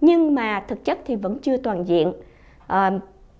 nhưng mà thực chất thì vẫn chưa toàn diện ờ